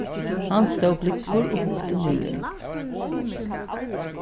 hann stóð blúgvur og hugdi niður